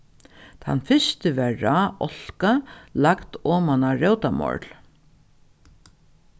tann fyrsti var rá álka lagt oman á rótamorl